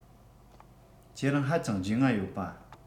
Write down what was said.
ཁྱེད རང ཧ ཅང རྒྱུས མངའ ཡོད པ